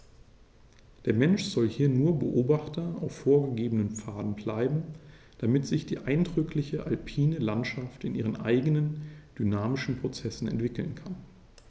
Der Mensch soll hier nur Beobachter auf vorgegebenen Pfaden bleiben, damit sich die eindrückliche alpine Landschaft in ihren eigenen dynamischen Prozessen entwickeln kann.